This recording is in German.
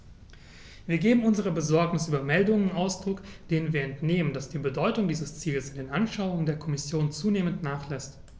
Wir geben unserer Besorgnis über Meldungen Ausdruck, denen wir entnehmen, dass die Bedeutung dieses Ziels in den Anschauungen der Kommission zunehmend nachlässt.